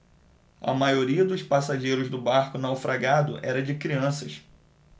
a maioria dos passageiros do barco naufragado era de crianças